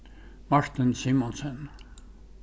martin simonsen